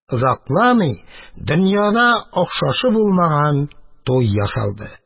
Озакламый дөньяда охшашы булмаган туй ясалды.